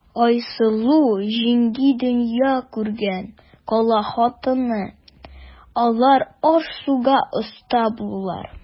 Айсылу җиңги дөнья күргән, кала хатыны, алар аш-суга оста булалар.